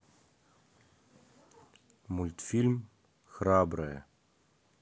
мультфильм храброе